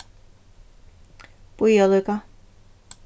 bíða líka